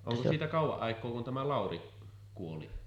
onko siitä kauan aikaa kun tämä Lauri kuoli